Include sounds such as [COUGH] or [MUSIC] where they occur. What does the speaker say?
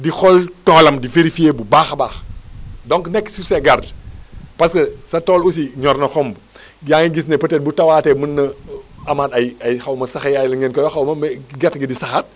di xool toolam di vérifié bu baax a baax donc nekk sur ses gardes parce que sa tool aussi ñor na xomm [BREATH] yaa ngi gis ne peut être bu tawaatee mën na amaat ay ay xaw ma saxeyaay ngeen koy wax xaw ma mais gerte gi di saxaat